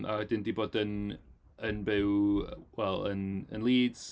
A wedyn 'di bod yn yn byw wel yn yn Leeds.